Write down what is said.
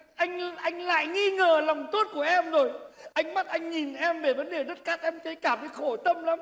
anh anh lại nghi ngờ lòng tốt của em rồi ánh mắt anh nhìn em về vấn đề đất cát em thấy cảm thấy khổ tâm lắm